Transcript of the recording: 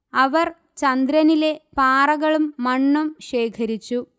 അവർ ചന്ദ്രനിലെ പാറകളും മണ്ണും ശേഖരിച്ചു